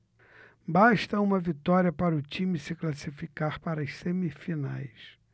basta uma vitória para o time se classificar para as semifinais